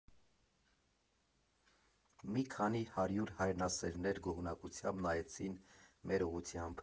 Մի քանի հարյուր հայրենասերներ գոհունակությամբ նայեցին մեր ուղղությամբ։